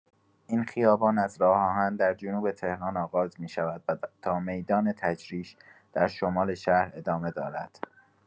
این خیابان از راه‌آهن در جنوب تهران آغاز می‌شود و تا میدان تجریش در شمال شهر ادامه دارد.